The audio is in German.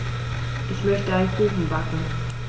Ich möchte einen Kuchen backen.